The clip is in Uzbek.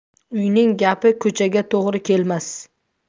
uyning gapi ko'chaga to'g'ri kelmas